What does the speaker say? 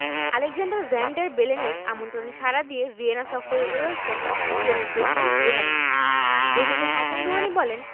Alexander Van der বেলেনের আমন্ত্রণে সাড়া দিয়ে ভিয়েনা সফরে রয়েছেন ইরানের প্রেসিডেন্ট রুহানি বৈঠকে হাসান রুহানি বলেন